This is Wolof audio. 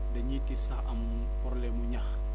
dañuy tiit sax am problème mu ñax